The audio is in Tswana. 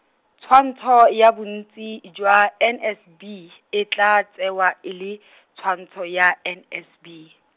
tshwantsho ya bontsi jwa N S B, e tla tsewa e le , tshwantsho ya N S B.